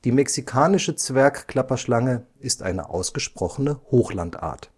Mexikanische Zwergklapperschlange ist eine ausgesprochene Hochlandart